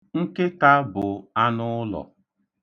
Nkịta bụ anụụlọ.